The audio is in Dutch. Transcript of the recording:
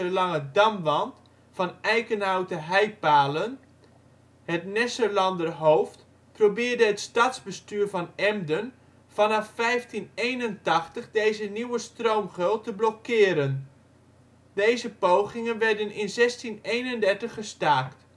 lange damwand van eikenhouten heipalen, het “Nesserlander hoofd”, probeerde het stadsbestuur van Emden vanaf 1581 deze nieuwe stroomgeul te blokkeren. Deze pogingen werden in 1631 gestaakt